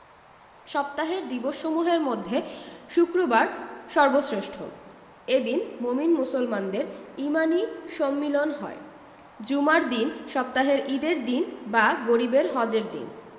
সপ্তাহের দিবসসমূহের মধ্যে শুক্রবার সর্বশ্রেষ্ঠ এদিন মোমিন মুসলমানদের ইমানি সম্মিলন হয় জুমার দিন সপ্তাহের ঈদের দিন বা গরিবের হজের দিন